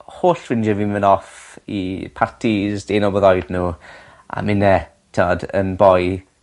holl ffrindie fi'n myn' off i partis deunaw blwydd oed n'w a minne t'od yn boi